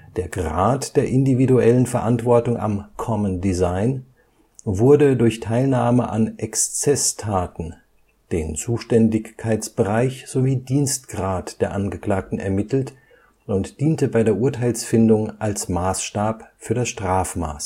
Der Grad der individuellen Verantwortung am Common Design wurde durch Teilnahme an Exzesstaten, den Zuständigkeitsbereich sowie Dienstgrad der Angeklagten ermittelt und diente bei der Urteilsfindung als Maßstab für das Strafmaß